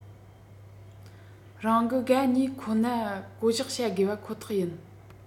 རང གི དགའ ཉེ ཁོ ན བསྐོ གཞག བྱ དགོས པ ཁོ ཐག ཡིན